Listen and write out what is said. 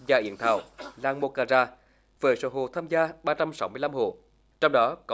dạ yến thảo ràng buộc ca ra với số hộ tham gia ba trăm sáu mươi lăm hộ trong đó có